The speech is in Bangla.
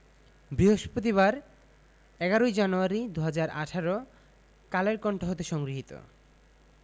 বৃহস্পতিবার ১১ জানুয়ারি ২০১৮ কালের কন্ঠ হতে সংগৃহীত